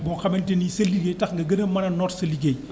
boo xamante ni seen liggéey tax nga gën a mën a noot sa liggéey